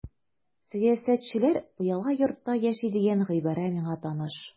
Сәясәтчеләр пыяла йортта яши дигән гыйбарә миңа таныш.